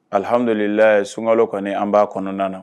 Alihamdulilalila sunkalo kɔni anba kɔnɔna na